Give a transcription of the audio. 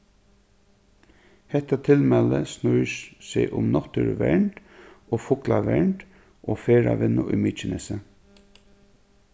hetta tilmæli snýr seg um náttúruvernd og fuglavernd og ferðavinnu í mykinesi